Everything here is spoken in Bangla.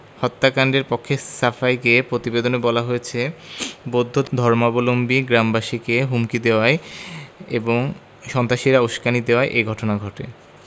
হত্যাকাণ্ডের পক্ষে সাফাই গেয়ে প্রতিবেদনে বলা হয়েছে বৌদ্ধ ধর্মাবলম্বী গ্রামবাসীকে হুমকি দেওয়ায় এবং সন্ত্রাসীরা উসকানি দেওয়ায় এ ঘটনা ঘটে